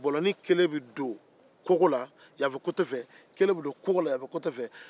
bɔlɔnin kelen bɛ don kogo la fan kelen fɛ tɔ kelen bɛ don fan dɔ fɛ